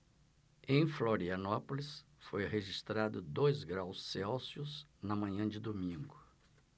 em florianópolis foi registrado dois graus celsius na manhã de domingo